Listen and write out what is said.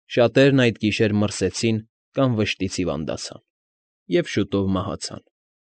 Շատերն այդ գիշեր մրսեցին կամ վշտից հիվանդացան և շուտով մահացան։